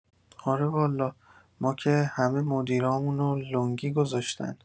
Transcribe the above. آره والا ما که همه مدیرامون رو لنگی گذاشتن